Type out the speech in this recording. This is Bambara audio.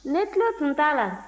ne tulo tun t'a la